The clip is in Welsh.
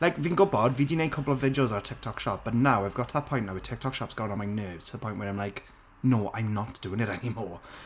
Like fi'n gwybod, fi 'di 'neud cwbl o fideos ar TikTok Shop But now, I've got to that point now where TikTok Shop's gone on my nerves to the point where I'm like no, I'm not doing it anymore.